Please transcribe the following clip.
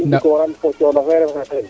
fo kee i njikoran fo coono fee ref na teen